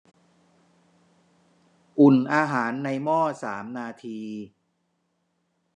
อุ่นอาหารในหม้อสามนาที